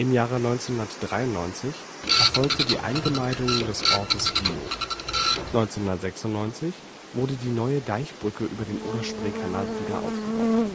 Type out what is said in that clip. Jahre 1993 erfolgte die Eingemeindung des Ortes Diehlo. 1996 wurde die Neue Deichbrücke über den Oder-Spree-Kanal wiederaufgebaut